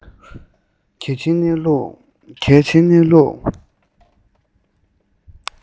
གལ ཆེན གནས ལུགས